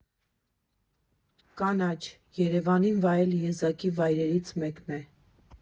Կանաչ, Երևանին վայել եզակի վայրերից մեկն է»։